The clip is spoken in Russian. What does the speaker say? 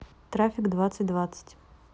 трафик двадцать двадцать